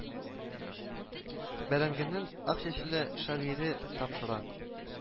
Бәрәңгене Ак чәчле шагыйрьгә тапшыра